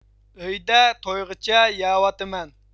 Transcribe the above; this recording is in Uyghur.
ئۆيدە تويغۇچە يەۋاپتىمەن